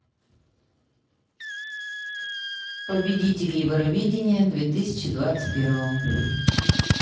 победитель евровидения две тысячи двадцать первого